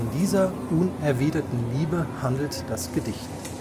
dieser unerwiderten Liebe handelt das Gedicht